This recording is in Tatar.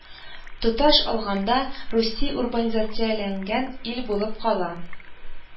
Тоташ алганда Русия урбанизацияләнгән ил булып кала